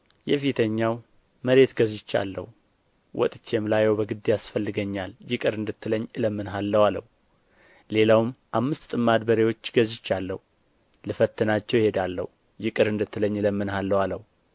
የፊተኛው መሬት ገዝቼአለሁ ወጥቼም ላየው በግድ ያስፈልገኛል ይቅር እንድትለኝ እለምንሃለሁ አለው ሌላውም አምስት ጥምድ በሬዎች ገዝቼአለሁ ልፈትናቸውም እሄዳለሁ ይቅር እንድትለኝ እለምንሃለሁ አለው